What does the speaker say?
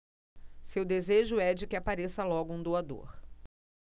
seu desejo é de que apareça logo um doador